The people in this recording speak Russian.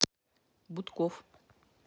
бутков